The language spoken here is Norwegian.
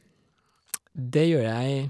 Det gjør jeg.